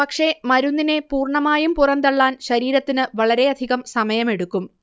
പക്ഷേ മരുന്നിനെ പൂർണ്ണമായും പുറന്തള്ളാൻ ശരീരത്തിന് വളരെയധികം സമയമെടുക്കും